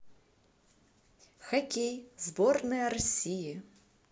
хоккей сборная россии